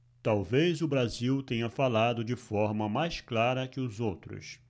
talvez o brasil tenha falado de forma mais clara que os outros